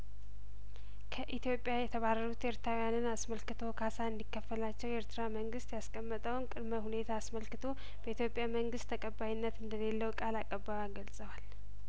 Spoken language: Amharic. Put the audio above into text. ከኢትዮጵያ የተባረሩት ኤርትራውያንን አስመልክቶ ካሳ እንዲ ከፈላቸው የኤርትራ መንግስት ያስቀመጠውን ቅድመ ሁኔታ አስመልክቶ በኢትዮጵያ መንግስት ተቀባይነት እንደሌለው ቃል አቀባይዋ ገልጸዋል